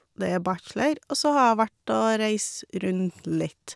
Det er bachelor, og så har jeg vært og reist rundt litt.